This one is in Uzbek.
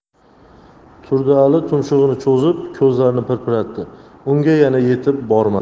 turdiali tumshug ini cho'zib ko'zlarini pirpiratdi unga yana yetib bormadi